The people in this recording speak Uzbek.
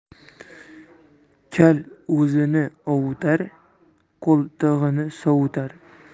kal o'zini ovutar qo'ltig'ini sovutar